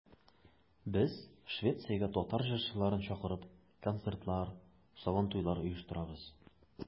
Без, Швециягә татар җырчыларын чакырып, концертлар, Сабантуйлар оештырабыз.